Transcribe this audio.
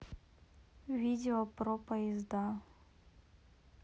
видео про поезда